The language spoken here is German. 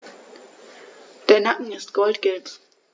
Der Nacken ist goldgelb.